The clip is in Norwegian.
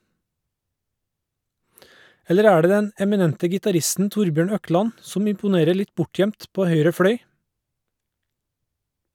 Eller er det den eminente gitaristen Torbjørn Økland, som imponerer litt bortgjemt på høyre fløy.